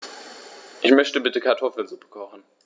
Ich möchte bitte Kartoffelsuppe kochen.